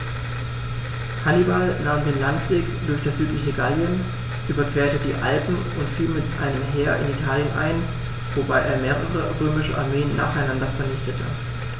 Hannibal nahm den Landweg durch das südliche Gallien, überquerte die Alpen und fiel mit einem Heer in Italien ein, wobei er mehrere römische Armeen nacheinander vernichtete.